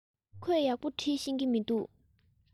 ཁོས ཡག པོ འབྲི ཤེས ཀྱི མིན འདུག